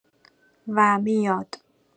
و میاد